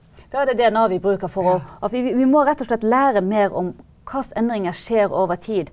da er det DNA vi bruker for å og at vi vi vi må rett og slett lære mer om hvilke endringer skjer over tid.